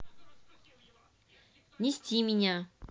нести меня